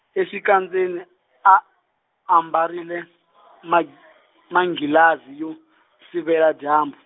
exikandzeni, a ambarile, ma- manghilazi yo, sivela dyambu.